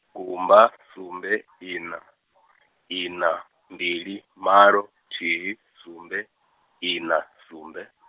gumba sumbe ina, ina mbili, malo, nthihi, sumbe, ina, sumbe.